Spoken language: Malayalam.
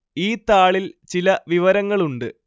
ഈ താളില്‍ ചില വിവരങ്ങളുണ്ട്